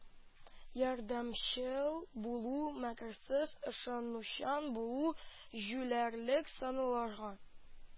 Ярдәмчел булу, мәкерсез, ышанучан булу җүләрлек саналырга